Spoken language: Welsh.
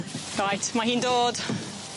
Reit 'ma hi'n dod.